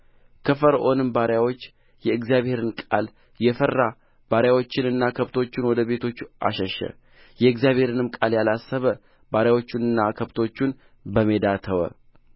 ከፈርዖንም ባሪያዎች የእግዚአብሔርን ቃል የፈራ ባሪያዎቹንና ከብቶቹን ወደ ቤቶቹ አሸሸ የእግዚአብሔርንም ቃል ያላሰበ ባሪያዎቹንና ከብቶቹን በሜዳ ተወ